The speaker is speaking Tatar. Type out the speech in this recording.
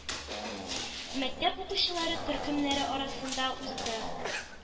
Мәктәп укучылары төркемнәре арасында узды.